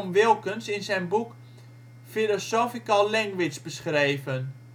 Wilkins in zijn boek Philosophical Language beschreven